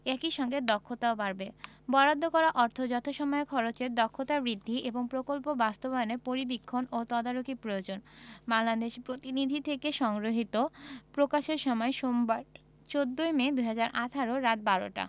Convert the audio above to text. একই সঙ্গে দক্ষতাও বাড়বে বরাদ্দ করা অর্থ যথাসময়ে খরচের দক্ষতা বৃদ্ধি এবং প্রকল্প বাস্তবায়নে পরিবীক্ষণ ও তদারকি প্রয়োজন বাংলাদেশ প্রতিদিন থেলে সংগৃহীত প্রকাশের সময় সোমবার ১৪ মে ২০১৮ রাত ১২টা